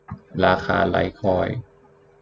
ราคาไลท์คอยน์